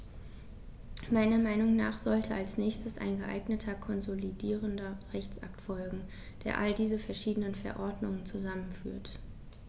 Meiner Meinung nach sollte als nächstes ein geeigneter konsolidierender Rechtsakt folgen, der all diese verschiedenen Verordnungen zusammenführt.